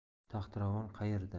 taxtiravon qayerda